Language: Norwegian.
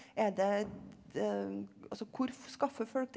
er det altså hvor skaffer folk det?